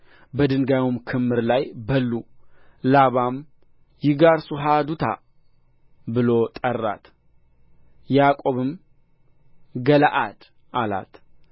በድንጋዩም ክምር ላይ በሉ ላባም ይጋር ሠሀዱታ ብሎ ጠራት ያዕቆብም ገለዓድ አላት